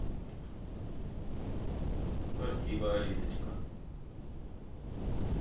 спасибо алисочка